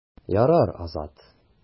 Ярар, Азат.